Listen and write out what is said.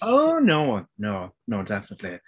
Oh no no no definitely.